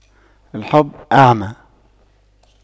الحب أعمى